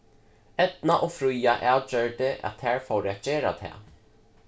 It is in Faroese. eydna og fríða avgjørdu at tær fóru at gera tað